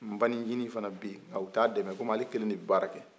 n banicinin fana bɛ yen nka o t'a dɛmɛ komi ale kelen de bɛ baara kɛ